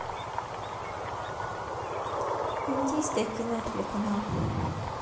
индийское кино телеканал